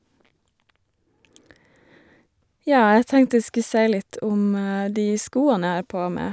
Ja, jeg tenkte jeg skulle si litt om de skoene jeg har på meg.